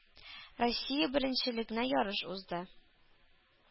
Россия беренчелегенә ярыш узды.